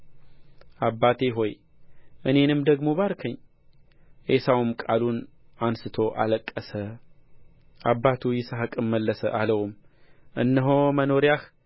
አባቴ ሆይ እኔንም ደግሞ ባርከኝ ዔሳውም ቃሉን አንሥቶ አለቀሰ አባቱ ይስሐቅም መለሰ አለውም እነሆ መኖሪያህ